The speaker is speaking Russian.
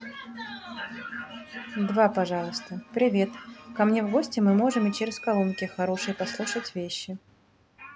два пожалуйста привет ко мне в гости мы можем и через колонки хорошие послушать вещи